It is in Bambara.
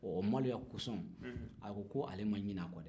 bon o maloya kɔsɔn a ko k'ale ma ɲin'a ko dɛ